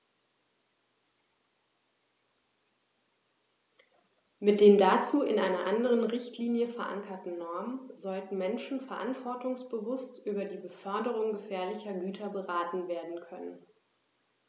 Mit den dazu in einer anderen Richtlinie, verankerten Normen sollten Menschen verantwortungsbewusst über die Beförderung gefährlicher Güter beraten werden können.